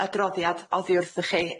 adroddiad oddi wrthoch chi.